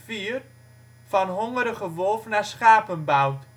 2003-2004 van Hongerige Wolf naar Schapenbout